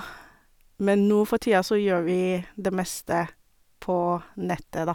Men nå for tida så gjør vi det meste på nettet, da.